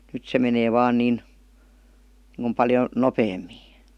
nyt se menee vain niin niin kuin paljon nopeammin